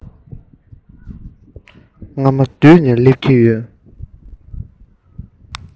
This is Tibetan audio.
རྔ མ དུད ནས སླེབས ཀྱི ཡོད